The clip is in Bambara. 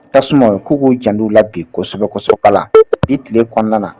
Tasuma ye k'u k'u jan' la bi kosɛbɛsɔkala i tile kɔnɔna na